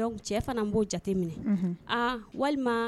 Walima